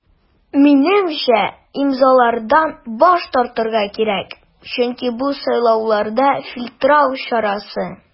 Минемчә, имзалардан баш тартырга кирәк, чөнки бу сайлауларда фильтрлау чарасы.